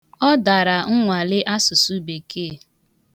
Ọ dara nnwale asụsụ bekee.